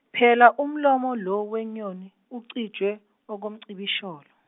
phela umlomo lo wenyoni ucije okomcibisholo.